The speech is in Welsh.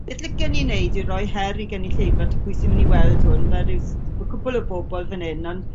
Beth licen i neud yw roi her i gynulleidfa ta pwy sy myn' i weld hwn ma ryw s- ma' cwpwl o bobol fan 'yn ond